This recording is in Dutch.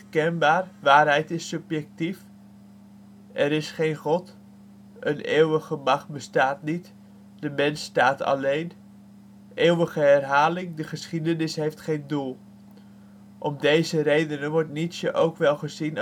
kenbaar; waarheid is subjectief. Er is geen god: een eeuwige macht bestaat niet; de mens staat alleen. Eeuwige herhaling: de geschiedenis heeft geen doel. Om deze redenen wordt Nietzsche ook wel gezien